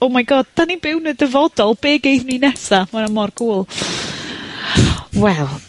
Oh my God, 'dan ni'n byw yn y dyfodol. Be' geidd ni nesa? Ma' o mor cŵl. Wel...